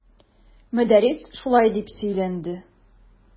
Мөдәррис шулай дип сөйләнде.